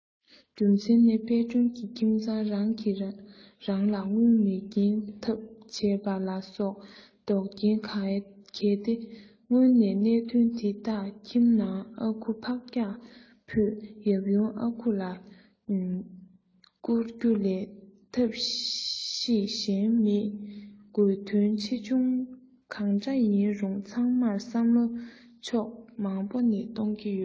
རྒྱུ མཚན ནི དཔལ སྒྲོན གྱི ཁྱིམ ཚེ རིང གི རང ལ དངུལ མེད རྐྱེན ཐབས བྱས པ ལ སོགས པ རྟོག རྐྱེན གལ ཏེ སྔོན ནས གནད དོན དེ དག ཁྱིམ ནང ཨ ཁུ ཕག སྐྱག ཕུད ཡབ ཡུམ ཨ ཁུ ལ བསྐུར རྒྱུ ལས ཐབས ཤེས གཞན མེད ཁོས དོན ཆེ ཆུང གང འདྲ ཡིན རུང ཚང མར བསམ བློ ཕྱོགས མང པོ ནས གཏོང གི ཡོད